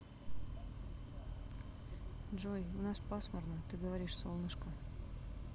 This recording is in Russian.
джой у нас пасмурно ты говоришь солнышко